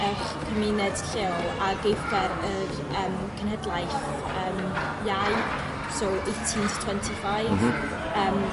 'ych cymuned lleol ag eithyr yr yym cenhedlaeth yym iau, so eighteen to twenty five. M-hm. Yym